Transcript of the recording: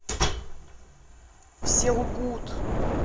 все лгут